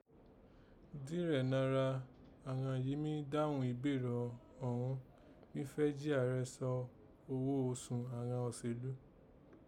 Díẹ̀ nara àghan yìí mí dáhùn ìbéèrè ọ̀ghọ́n mí fẹ́ jí Ààrẹ fọ̀ oghó osùn àghan olósèlú